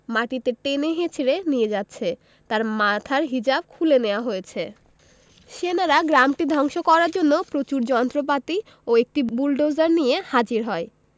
মাটিতে টেনে হেঁচড়ে নিয়ে যাচ্ছে তার মাথার হিজাব খুলে নেওয়া হয়েছে সেনারা গ্রামটি ধ্বংস করার জন্য প্রচুর যন্ত্রপাতি ও একটি বুলোডোজার নিয়ে হাজির হয়